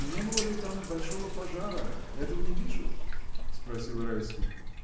— Не было ли там большого пожара: этого не пишут? — спросил Райский.